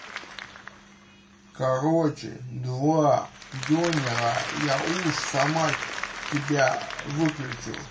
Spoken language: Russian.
короче два goodbye я уж сама тебя выключу